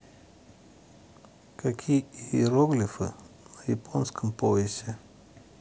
какие ироглифы на японском поясе